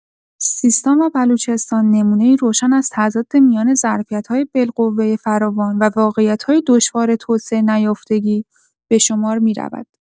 سیستان و بلوچستان نمونه‌ای روشن از تضاد میان ظرفیت‌های بالقوه فراوان و واقعیت‌های دشوار توسعه‌نیافتگی به شمار می‌رود.